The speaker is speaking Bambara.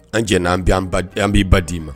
An j'an bɛ an bɛ ba d'i ma